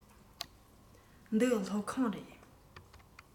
འདི སློབ ཁང རེད